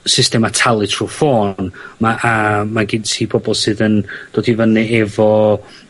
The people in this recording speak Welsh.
systema talu trw ffôn, ma' a ma' gin ti pobol sydd yn dod i fyny efo